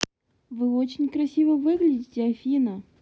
вы очень красиво выглядите афина